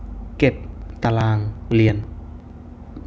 เก็บตารางเรียน